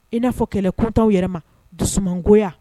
I n'a fɔ kɛlɛkuntanw yɛrɛ ma dusugoya